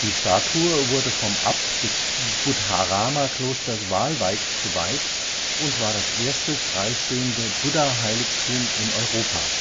Statue wurde vom Abt des Buddharama-Klosters Waalwijk geweiht und war das erste freistehende Buddha-Heiligtum in Europa